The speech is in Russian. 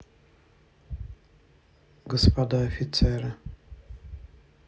господа офицеры